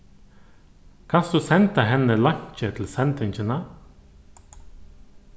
kanst tú senda henni leinkið til sendingina